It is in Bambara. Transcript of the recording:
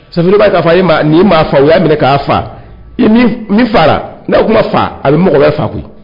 i b'a ye k'a fɔ nin maa fa, i min fara, n'o tun ma fa, a bɛ mɔgɔ yɛrɛ fa koyi